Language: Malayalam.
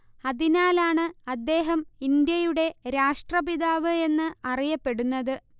അതിനാലാണ് അദ്ദേഹം ഇന്ത്യയുടെ രാഷ്ട്രപിതാവ് എന്ന് അറിയപ്പെടുന്നത്